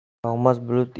yog'mas bulut elni